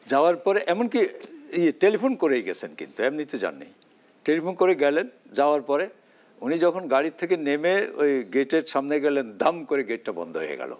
যাওয়ার পরে এমনকি টেলিফোন করে গেছেন কিন্তু এমনিতে যাননি টেলিফোন করে গেলেন যাওয়ার পরে উনি যখন গাড়ি থেকে নেমে গেটের সামনে গেলেন দাম করে গেটটা বন্ধ হয়ে গেল